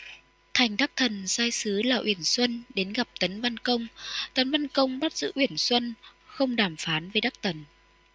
thành đắc thần sai sứ là uyển xuân đến gặp tấn văn công tấn văn công bắt giữ uyển xuân không đàm phán với đắc thần